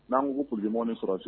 N'an k'u kulu mɔnɔni sɔrɔsiw